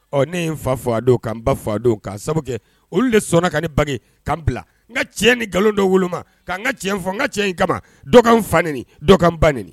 Ɔ ne n fa fa faa don ka n ba faa don ka sababu kɛ olu de sɔnna ka ba' bila n ka cɛ ni nkalon dɔ wolo ka n ka fɔ n ka cɛ in kama fa ba nin